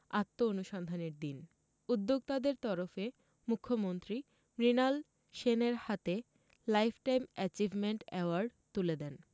আত্ম অনুসন্ধানের দিন উদ্যোক্তাদের তরফে মুখ্যমন্ত্রী মৃণাল সেনের হাতে লাইফ টাইম অ্যাচিভমেন্ট অ্যাওয়ার্ড তুলে দেন